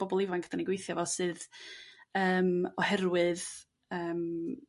bobol ifanc dyn ni gweithio 'fo sydd yrm oherwydd yrm.